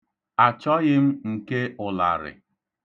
Achọghị m nke ụlarị.